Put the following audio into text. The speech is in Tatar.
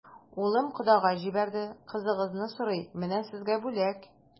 Улым кодага җибәрде, кызыгызны сорый, менә сезгә бүләк.